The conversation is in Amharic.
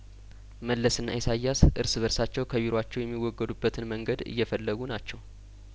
መለስ እና ኢሳያስ እርስ በርሳቸው ከቢሮአቸው የሚወገዱበትን መንገድ እየፈለጉ ናቸው